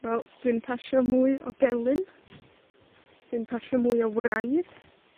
Wel, dwi'n pasio mwy o gelyn, dwi'n pasio mwy o wraidd.